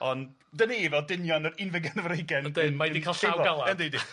On' 'dan ni fel dynion yr unfed ganrif ar hugain... Yndynmae 'di cael llaw galad. Yndidi?